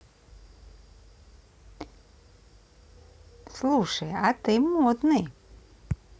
слушай а ты модный